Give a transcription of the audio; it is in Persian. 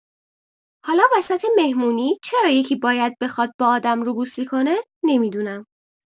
حالا وسط مهمونی چرا یکی باید بخواد با آدم روبوسی کنه، نمی‌دونم!